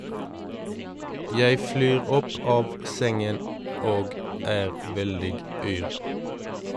- Jeg flyr opp av sengen og er veldig yr.